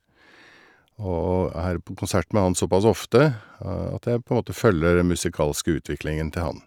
Og er på konsert med han såpass ofte at jeg på en måte følger den musikalske utviklingen til han.